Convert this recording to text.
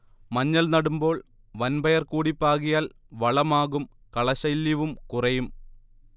മഞ്ഞൾ നടുമ്പോൾ വൻപയർ കൂടി പാകിയാൽ വളമാകും കളശല്യവും കുറയും